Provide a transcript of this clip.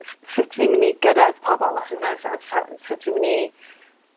S- sut fi myn' i gyrredd pobol os yw hwnna neu sense. Sa- sut fi myn' i